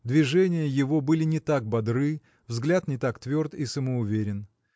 Движения его были не так бодры, взгляд не так тверд и самоуверен.